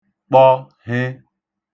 kpọ he